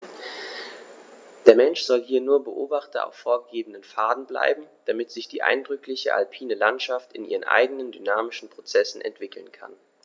Der Mensch soll hier nur Beobachter auf vorgegebenen Pfaden bleiben, damit sich die eindrückliche alpine Landschaft in ihren eigenen dynamischen Prozessen entwickeln kann.